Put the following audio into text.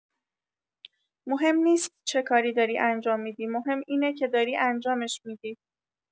مهم نیست چه کاری داری انجام می‌دی، مهم اینه که داری انجامش می‌دی.